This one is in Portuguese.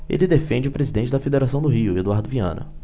ele defende o presidente da federação do rio eduardo viana